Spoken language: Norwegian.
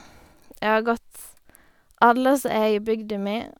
Jeg har gått alle som er i bygda mi.